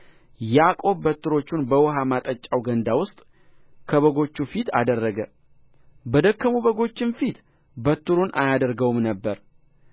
ያዕቆብ በትሮቹን በውኃ ማጠጫው ገንዳ ውስጥ ከበጎቹ ፊት አደረገ በደከሙ በጎችም ፊት በትሩን አያደርገውም ነበር